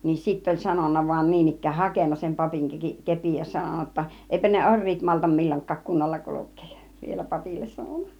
niin sitten oli sanonut vain niin ikään hakenut sen papin - kepin ja sanonut jotta eipä ne oriit malta milloinkaan kunnolla kulkea ja vielä papille sanonut